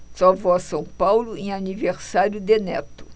só vou a são paulo em aniversário de neto